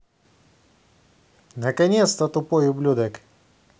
наконец то тупой ублюдок